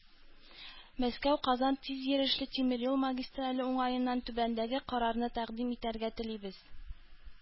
“мәскәү-казан тизйөрешле тимер юл магистрале уңаеннан түбәндәге карарны тәкъдим итәргә телибез.